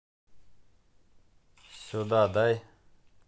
сюда дай